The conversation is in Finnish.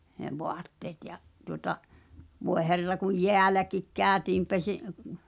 ne vaatteet ja tuota voi herra kun jäälläkin käytiin -